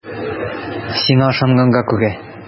Сиңа ышанганга күрә.